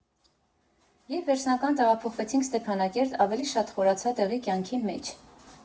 Երբ վերջնական տեղափոխվեցինք Ստեփանակերտ, ավելի շատ խորացա տեղի կյանքի մեջ։